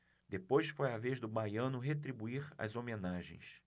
depois foi a vez do baiano retribuir as homenagens